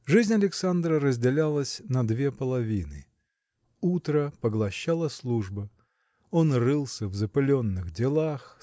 Жизнь Александра разделялась на две половины. Утро поглощала служба. Он рылся в запыленных делах